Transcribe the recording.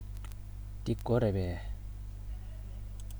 འདི སྒོ རེད པས